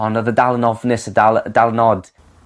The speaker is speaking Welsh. Ond odd e dal yn ofnus y dal y- dal yn od.